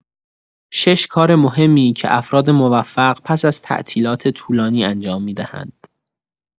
۶ کار مهمی که افراد موفق پس‌از تعطیلات طولانی انجام می‌دهند.